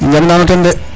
I njangnan o ten